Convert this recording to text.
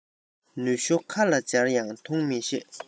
ནུ ཞོ ཁ ལ སྦྱར ཡང འཐུང མི ཤེས